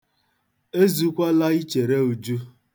Ezukwala ichere Uju.